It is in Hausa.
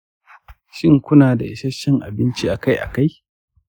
shin kuna da isasshen abinci a gida akai-akai?